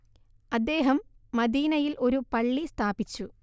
അദ്ദേഹം മദീനയിൽ ഒരു പള്ളി സ്ഥാപിച്ചു